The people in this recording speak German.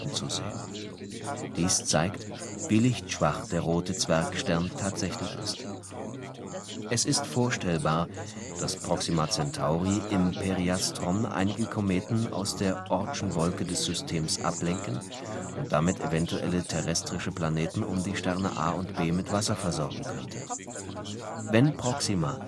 zu sehen. Dies zeigt, wie lichtschwach der rote Zwergstern tatsächlich ist. Es ist vorstellbar, dass Proxima Centauri im Periastron einige Kometen aus der Oortschen Wolke des Systems ablenken und damit eventuelle terrestrische Planeten um die Sterne A und B mit Wasser versorgen könnte. Wenn Proxima